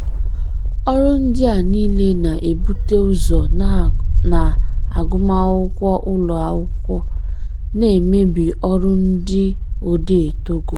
Ọrụ ndị a niile na-ebute ụzọ na agụmakwụkwọ ụlọ akwụkwọ, na-emebi ọrụ ndị odee Togo.